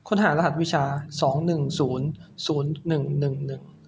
ค้นหารหัสวิชาสองหนึ่งศูนย์ศูนย์หนึ่งหนึ่งหนึ่ง